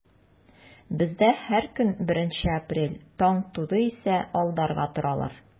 Бездә һәр көн беренче апрель, таң туды исә алдарга торалар.